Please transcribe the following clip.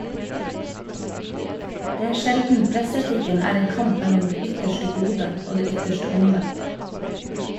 Det er sjelden presseetikken er en kamp mellom det ytterste gode og det ytterste onde.